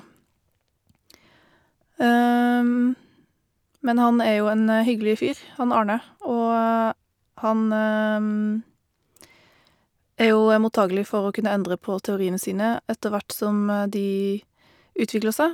Men han er jo en hyggelig fyr, han Arne, og han er jo mottagelig for å kunne endre på teoriene sine etter hvert som de utvikler seg.